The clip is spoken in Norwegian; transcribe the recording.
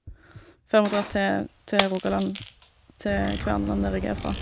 Før vi drar til til Rogaland, til Kvernaland, der jeg er fra.